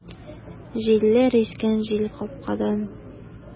Җилләр искән җилкапкадан!